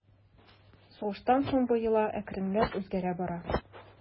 Сугыштан соң бу йола әкренләп үзгәрә бара.